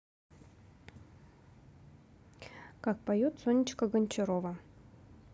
как поет сонечка гончарова